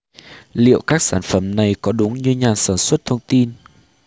liệu các sản phẩm này có đúng như nhà sản xuất thông tin